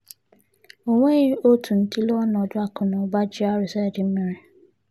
O nweghị otu ntule ọnọdụ akụnaụba GRZ mere!